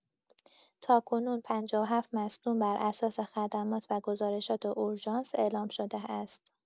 تاکنون، ۵۷ مصدوم براساس خدمات و گزارشات اورژانس اعلام شده است.